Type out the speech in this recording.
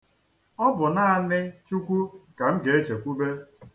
Ọ bụ naanị Chukwu ka m ga-echekwube.